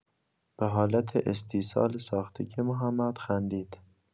به حالت استیصال ساختگی محمد خندید.